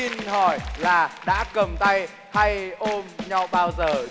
xin hỏi là đã cầm tay hay ôm nhau bao giờ